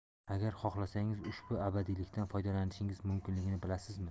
agar xohlasangiz ushbu abadiylikdan foydalanishingiz mumkinligini bilasizmi